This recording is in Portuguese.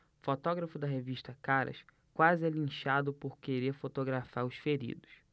fotógrafo da revista caras quase é linchado por querer fotografar os feridos